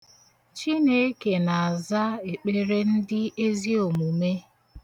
Chineke na-aza ekpere ndi ezi omume.